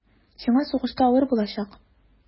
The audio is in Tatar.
Сиңа сугышта авыр булачак.